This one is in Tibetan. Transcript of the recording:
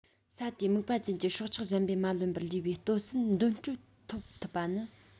ས དེའི རྨིག པ ཅན གྱི སྲོག ཆགས གཞན པས མ ལོན པར ལུས པའི ལྟོ ཟན འདོན སྤྲོད ཐོབ ཐུབ པ ནི